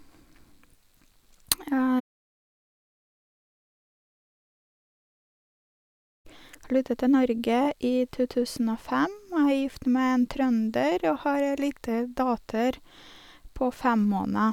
Flyttet til Norge i to tusen og fem, og jeg er gift med en trønder og har ei lita datter på fem måneder.